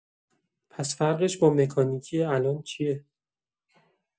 پس فرقش با مکانیکی الان چیه؟